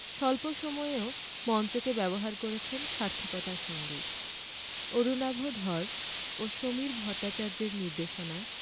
স্বল্প সময়েও মঞ্চকে ব্যবহার করেছেন সার্থকতার সঙ্গেই অরুণাভ ধর ও সমীর ভট্টাচার্যের নির্দেশনায়